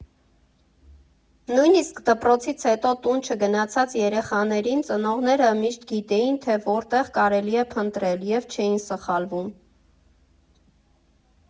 Նույնիսկ դպրոցից հետո տուն չգնացած երեխաներին ծնողները միշտ գիտեին, թե որտեղ կարելի է փնտրել և չէին սխալվում։